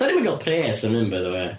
'Dan ni'm yn ga'l pres am hyn by the wê.